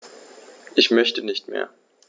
Ich möchte nicht mehr.